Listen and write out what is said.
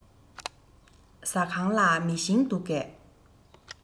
ཟ ཁང ལ མེ ཤིང འདུག གས